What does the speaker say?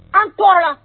An kɔrɔ